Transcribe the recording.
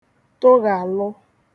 toghàlụ